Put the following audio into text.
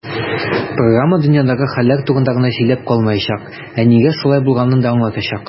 Программа "дөньядагы хәлләр турында гына сөйләп калмаячак, ә нигә шулай булганын да аңлатачак".